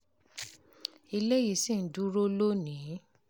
Ilé yìí ṣì ń dúró lónìí.